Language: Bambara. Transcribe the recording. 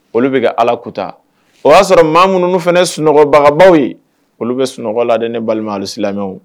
Olu bɛ ka ala kuta o y'a sɔrɔ maa minnuunu fana ne sunɔgɔbagabaw ye olu bɛ sunɔgɔ la ne balima alisila